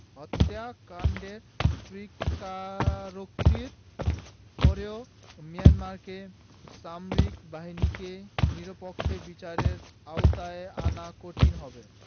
হত্যাকাণ্ডের স্বীকারোক্তির পরও মিয়ানমারের সামরিক বাহিনীকে নিরপেক্ষ বিচারের আওতায় আনা কঠিন হবে